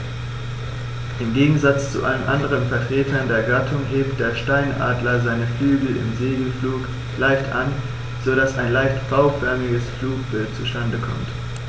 Im Gegensatz zu allen anderen Vertretern der Gattung hebt der Steinadler seine Flügel im Segelflug leicht an, so dass ein leicht V-förmiges Flugbild zustande kommt.